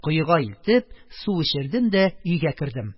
Коега илтеп, су эчердем дә өйгә кердем.